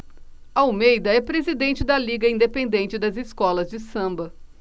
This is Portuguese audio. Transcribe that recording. almeida é presidente da liga independente das escolas de samba